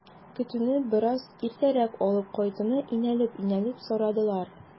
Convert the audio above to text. Көтүне бераз иртәрәк алып кайтуны инәлеп-инәлеп сорадылар.